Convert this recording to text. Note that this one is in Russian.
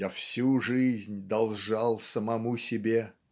"Я всю жизнь должал самому себе.